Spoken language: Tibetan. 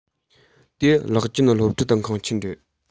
དེ གློག ཅན སློབ ཁྲིད ཁང ཆེན རེད